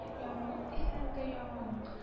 Яңалык дисәң дә яңалык